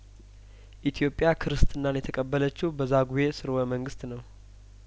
ኢትዮጵያ ክርስትናን የተቀበለችው በዛጔ ስርወ መንግስት ነው